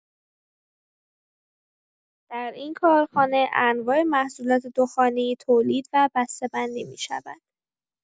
در این کارخانه، انواع محصولات دخانی تولید و بسته‌بندی می‌شود.